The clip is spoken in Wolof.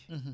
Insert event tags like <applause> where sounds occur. <hesitation> <hesitation>